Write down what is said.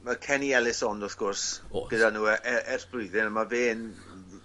ma' Kenny Elissonde wrth gwrs... O's. ...gyda n'w e- e- ers blwyddyn a ma' fe'n